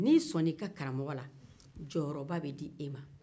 ni i sɔnna i ka karamɔgɔ la jɔyɔrɔba bɛ di i ma